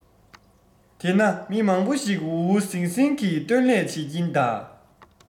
དེ ན མི མང པོ ཞིག གིས འུར འུར ཟིང ཟིང གིས སྟོན ལས བྱེད ཀྱིན གདའ